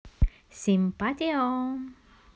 симпатио